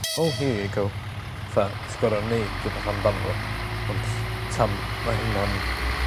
oh here you go. 'Tha ti gor'o' neud rwbath amdano fo ond tam- ma' hynna'n